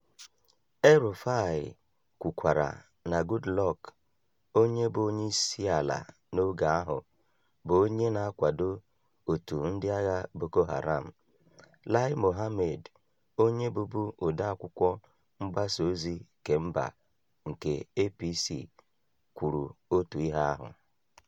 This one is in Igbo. El-Rufai kwukwara na Goodluck, onye bụ onyeisiala n'oge ahụ, bụ onye na-akwado òtù ndị agha Boko Haram. Lai Mohammed, onye bụbu Odeakwụkwọ Mgbasa Ozi Kemba nke APC, kwuru otu ihe ahụ.